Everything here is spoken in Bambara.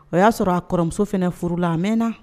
O y'a sɔrɔ a kɔrɔmuso fana furu la a mɛnɛna